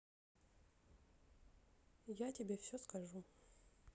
я тебе все скажу